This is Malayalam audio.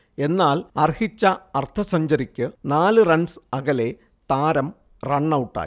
എന്നാൽ അർഹിച്ച അർധസെഞ്ച്വറിക്ക് നാല് റൺസ് അകലെ താരം റണ്ണൗട്ടായി